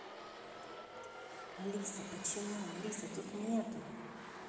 алиса почему алиса тут нету